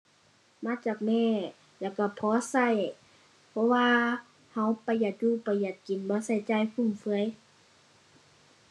มาจากแม่ แล้วก็พอก็ เพราะว่าก็ประหยัดอยู่ ประหยัดกิน บ่ก็จ่ายฟุ่มเฟือย